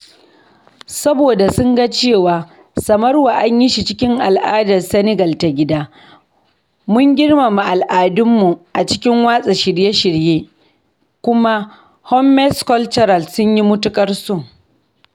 Saboda sun ga cewa samarwa an yi shi cikin al'adar Senegal ta gida… mun girmama al'adarmu a cikin watsa shirye-shiryen kuma “hommes culturels” sun yi matuƙar so.